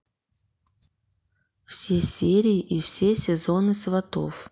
все серии и все сезоны сватов